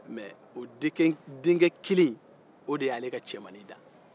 mɛ o denkɛkelen in o de y'ale ka cɛmani dan